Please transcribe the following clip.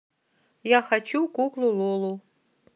я хочу куклу лолу